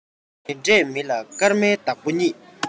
དེ འདྲས མི ལ སྐར མའི བདག པོ རྙེད